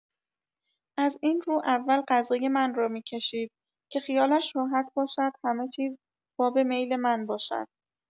از این رو اول غذای من را می‌کشید که خیالش راحت باشد همه چیز باب میل من باشد.